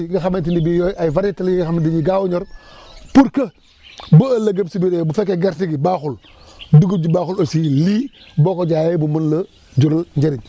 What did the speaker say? nga xamante ni bii yooyu ay variétés la yi nga xam ne dañuy gaaw a ñor pour que bu ëllëgee si biiree bu fekkee gerte gi baaxul dugub ji baaxul aussi lii boo ko jaayee mu mën la jural njëriñ